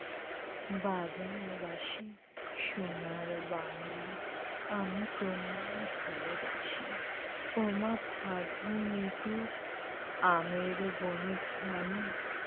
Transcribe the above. বাজায় বাঁশি সোনার বাংলা আমি তোমায় ভালোবাসি ওমা ফাগুনে তোর আমের বনে ঘ্রাণে